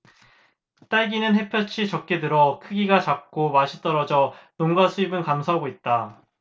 딸기는 햇볕이 적게 들어 크기가 작고 맛이 떨어져 농가 수입은 감소하고 있다